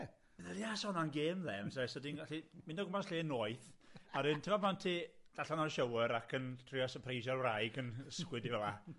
Ie. Ia, sa wnna'n gêm dden, sa ti'n gallu mynd o gwmpas lle noeth, a wedyn tibod pan ti allan o'r shower ac yn trio sypreisio'r wraig yn ysgwyd 'i fel'a